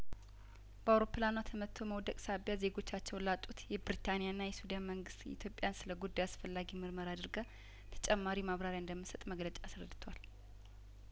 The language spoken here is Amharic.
በአውሮፕላኗ ተመትቶ መውደቅ ሳቢያ ዜጐቻቸውን ላጡት የብሪታኒያና የስዊድን መንግስትም ኢትዮጵያ ስለጉዳዩ አስፈላጊውን ምርመራ አድርጋ ተጨማሪ ማብራሪያ እንደምትሰጥ መግለጫው አስረድቷል